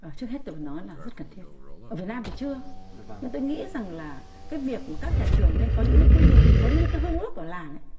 trước hết tôi nói là rất cần thiết ở việt nam thì chưa nhưng tôi nghĩ rằng là cái việc mà các nhà trường nên có những quy định giống như các hương ước của làng